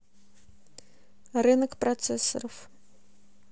рынок процессоров